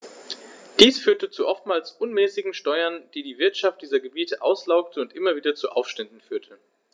Dies führte zu oftmals unmäßigen Steuern, die die Wirtschaft dieser Gebiete auslaugte und immer wieder zu Aufständen führte.